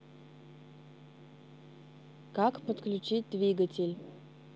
как подключить двигатель